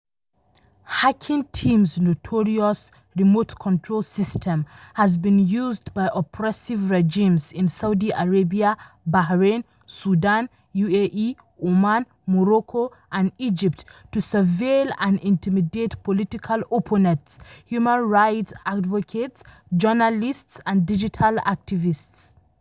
Hacking Team's notorious “Remote Control System” has been used by oppressive regimes in Saudi Arabia, Bahrain, Sudan, UAE, Oman, Morocco and Egypt to surveil and intimidate political opponents, human rights advocates, journalists, and digital activists.